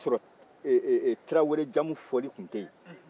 o y'a sɔrɔ ee ee tarawelejamu fɔli tun tɛ yen